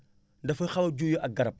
dafa xaw a juyoo ak garab